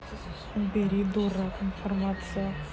убери дурак информация